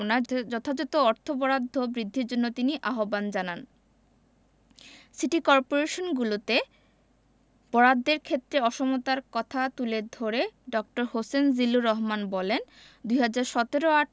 পয়ঃবর্জ্য ব্যবস্থাপনায় যথাযথ অর্থ বরাদ্দ বৃদ্ধির জন্য তিনি আহ্বান জানান সিটি করপোরেশনগুলোতে বরাদ্দের ক্ষেত্রে অসমতার কথা তুলে ধরে ড. হোসেন জিল্লুর রহমান বলেন